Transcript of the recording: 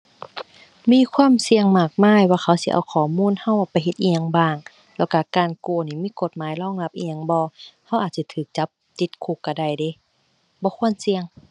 มีความเสี่ยงมากมายว่าเขาสิเอาข้อมูลเราไปเฮ็ดอิหยังบ้าง แล้วเราการกู้นี่มีกฎหมายรองรับอิหยังบ่ เราอาจสิเราจับติดคุกเราได้เดะ บ่ควรเสี่ยง